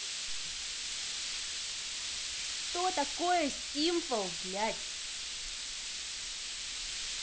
что такое симфол блять